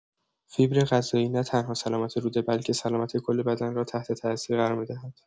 فیبر غذایی نه‌تنها سلامت روده، بلکه سلامت کل بدن را تحت‌تأثیر قرار می‌دهد.